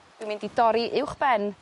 dwi mynd i dorri uwchben